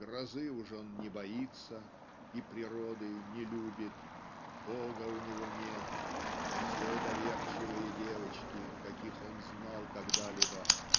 Грозы уж он не боится и природы не любит Бога у него нет все доверчивые девочки каких он знал когда-либо